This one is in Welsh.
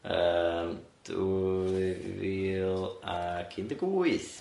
Yym dwy fil ac un deg wyth.